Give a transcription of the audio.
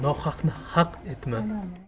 nohaqni haq etma